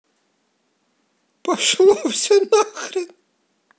пошло все нахрен